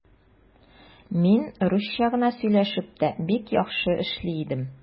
Мин русча гына сөйләшеп тә бик яхшы эшли идем.